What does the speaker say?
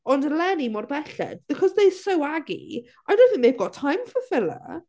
Ond eleni mor belled because they're so aggy I don't think they've got time for filler.